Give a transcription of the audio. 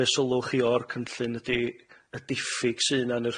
be sylwch chi o'r cynllun ydi y diffyg sy'na yn y